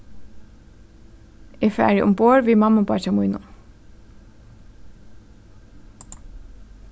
eg fari umborð við mammubeiggja mínum